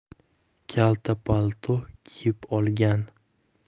kalta palto kiyib olgan